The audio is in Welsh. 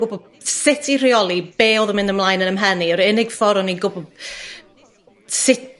gwbo sut i rheoli be' odd yn mynd ymlaen yn 'ym mhen i yr unig ffor o'n i'n gwbo sut...